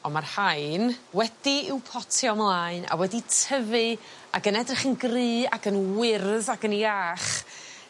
on' ma' rhain wedi i'w potio ymlaen a wedi tyfu ag yn edrych yn gry ac yn wyrdd ac yn 'iach